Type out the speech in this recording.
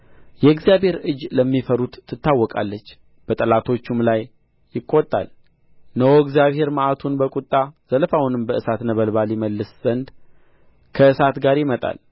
የእግዚአብሔርም እጅ ለሚፈሩት ትታወቃለች በጠላቶቹም ላይ ይቈጣል እነሆ እግዚአብሔር መዓቱን በቍጣ ዘለፋውንም በእሳት ነበልባል ይመልስ ዘንድ ከእሳት ጋር ይመጣል